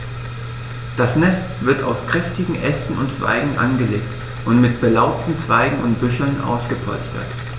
Das Nest wird aus kräftigen Ästen und Zweigen angelegt und mit belaubten Zweigen und Büscheln ausgepolstert.